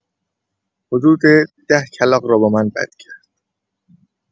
حدود ده کلاغ را با من بد کرد.